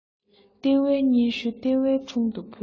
ལྟེ བའི སྙན ཞུ ལྟེ བའི དྲུང དུ ཕུལ